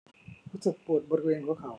รู้สึกปวดบริเวณหัวเข่า